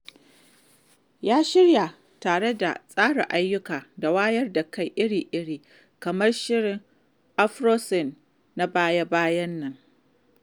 Ya shirya tare da tsara ayyuka da wayar da kai iri-iri, kamar shirin 'AfroCine' na baya-bayan nan.